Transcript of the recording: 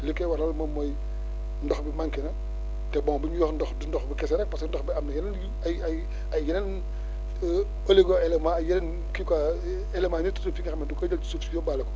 li koy waral moom mooy ndox mi manqué na te bon bu ñuy wax ndox du ndox bi kese rek parce que ndox am na yeneen yu ay ay ay yeneen éléments ak yeneen kii quoi élément nutritifs yoo xam ne da koy jël ci suuf si yóbbaale ko